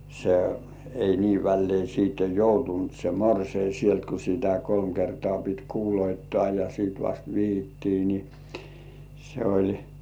se ei niin väleen sitten joutunut se morsian sieltä kun sitä kolme kertaa piti kuuluttaa ja sitten vasta vihittiin niin se oli